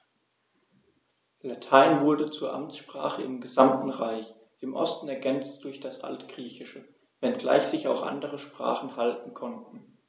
Latein wurde zur Amtssprache im gesamten Reich (im Osten ergänzt durch das Altgriechische), wenngleich sich auch andere Sprachen halten konnten.